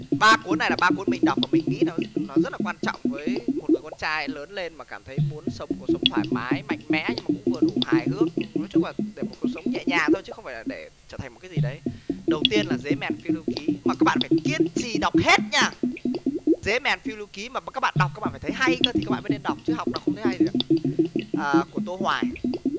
ba cuốn này là ba cuốn mình đọc và mình nghĩ nó nó rất là quan trọng với một người con trai lớn lên mà cảm thấy muốn sống cuộc sống thoải mái mạnh mẽ nhưng cũng vừa đủ hài hước nói chung là để một cuộc sống nhẹ nhàng thôi chứ không phải là để trở thành một cái gì đấy đầu tiên là dế mèn phiêu lưu ký mà các bạn phải kiên trì đọc hết nha dế mèn phiêu lưu ký mà các bạn đọc các bạn phải thấy hay cơ thì các bạn mới nên đọc chứ học đọc không thấy hay gì cả à của tô hoài